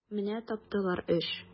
Менә таптылар эш!